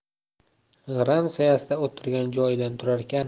g'aram soyasida o'tirgan joyidan turarkan